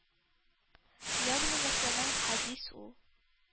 -ягъни мәсәлән, хәдис ул,